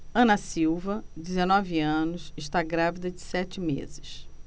ana silva dezenove anos está grávida de sete meses